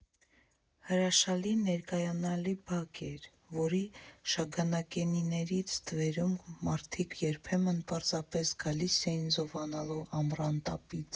Հրաշալի, ներկայանալի բակ էր, որի շագանակենիների ստվերում մարդիկ երբեմն պարզապես գալիս էին զովանալու ամռան տապից։